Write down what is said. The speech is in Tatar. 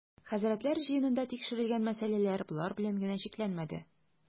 Хәзрәтләр җыенында тикшерел-гән мәсьәләләр болар белән генә чикләнмәде.